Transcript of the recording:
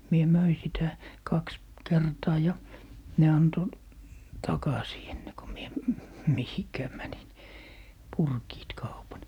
minä myin sitä kaksi kertaa ja ne antoi takaisin ennen kuin minä mihinkään menin purkivat kaupan